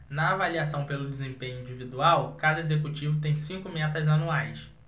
na avaliação pelo desempenho individual cada executivo tem cinco metas anuais